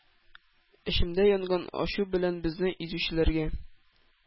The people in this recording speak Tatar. Эчемдә янган ачу белән безне изүчеләргә